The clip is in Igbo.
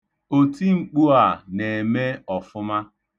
Otimkpu a na-eme ọfụma.